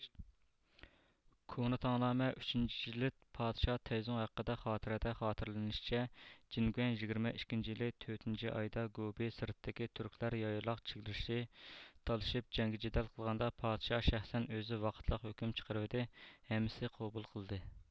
كونا تاڭنامە ئۈچىنچى جىلد پادىشاھ تەيزۇڭ ھەققىدە خاتىرە دە خاتىرىلىنىشچە جېنگۇەن يىگىرمە ئىككىنچى يىلى تۆتىنچى ئايدا گوبى سىرتىدىكى تۈركلەر يايلاق چېگرىسى تالىشىپ جەڭگى جىدەل قىلغاندا پادىشاھ شەخسەن ئۆزى ۋاقىتلىق ھۆكۈم چىقىرىۋىدى ھەممىسى قوبۇل قىلدى